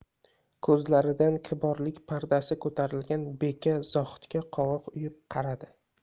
ko'zlaridan kiborlik pardasi ko'tarilgan beka zohidga qovoq uyib qaradi